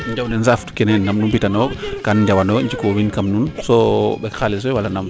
njawne saaf kene nam nu mbi tanoyo kan njawanoyo njikoxin kam nuun so ɓek xalis fee wala nam